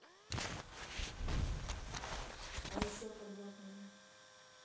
а еще подробнее